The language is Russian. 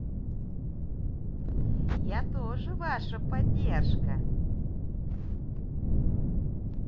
я тоже ваша поддержка